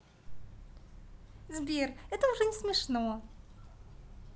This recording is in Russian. сбер это уже не смешно